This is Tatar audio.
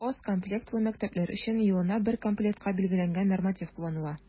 Аз комплектлы мәктәпләр өчен елына бер комплектка билгеләнгән норматив кулланыла.